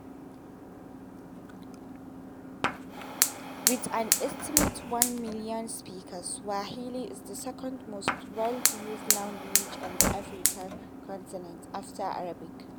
With an estimated 100 million speakers, Swahili is the second-most-widely-used language on the African continent, after Arabic.